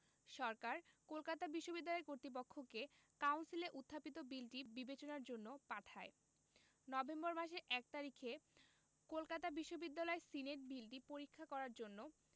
সরকার কলকাতা বিশ্ববিদ্যালয় কর্তৃপক্ষকে কাউন্সিলে উত্থাপিত বিলটি বিবেচনার জন্য পাঠায় নভেম্বর মাসের ১ তারিখে কলকাতা বিশ্ববিদ্যালয় সিনেট বিলটি পরীক্ষা করার জন্য